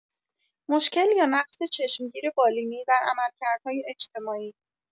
مشکل یا نقص چشمگیر بالینی در عملکردهای اجتماعی